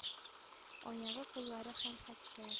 Аягы, куллары һәм хәтта